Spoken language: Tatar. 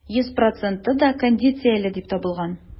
Йөз проценты да кондицияле дип табылган.